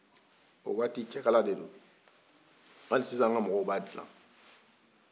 o waati cɛ kala de don ali sisan a ka mɔgɔw b'a dilan